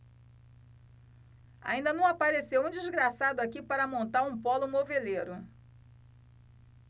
ainda não apareceu um desgraçado aqui para montar um pólo moveleiro